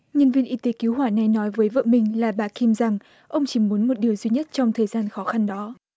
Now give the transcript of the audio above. nhân viên y tế cứu hỏa này nói với vợ mình là bà kim rằng ông chỉ muốn một điều duy nhất trong thời gian khó khăn đó